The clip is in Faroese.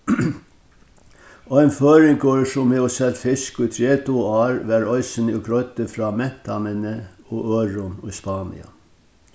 ein føroyingur sum hevur selt fisk í tretivu ár var eisini og greiddi frá mentanini og øðrum í spania